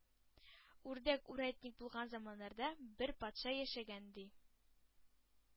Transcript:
Үрдәк үрәтник булган заманнарда бер патша яшәгән, ди.